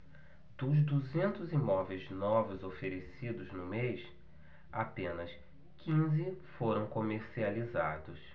dos duzentos imóveis novos oferecidos no mês apenas quinze foram comercializados